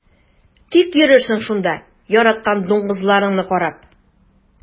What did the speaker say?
Тик йөрерсең шунда яраткан дуңгызларыңны карап.